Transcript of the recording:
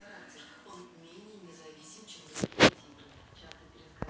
кто такая милана